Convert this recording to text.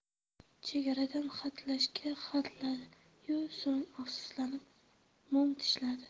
chegaradan hatlashga hatladi yu so'ng afsuslanib mum tishladi